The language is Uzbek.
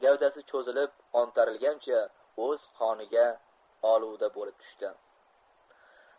gavdasi cho'zilib ontarilgancha o'z qoniga oluda bo'lib tushdi